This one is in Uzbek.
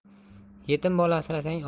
yetim bola asrasang